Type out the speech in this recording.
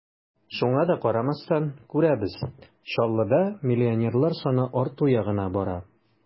Шуңа да карамастан, күрәбез: Чаллыда миллионерлар саны арту ягына бара.